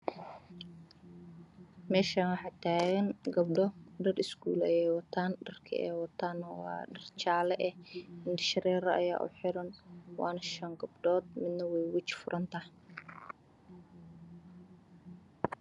Meeshaan waxaa taagan gabdho dhar iskuul ayey wataan waa dhar jaalle ah indha shareero ayaa u xiran waana shan gabdhood midna way waji furan tahay